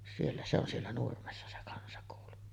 siellä se on siellä Nurmessa se kansakoulu